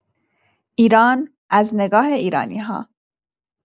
ایران از نگاه ایرانی‌‌ها